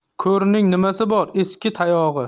ko'rning nimasi bor eski tayog'i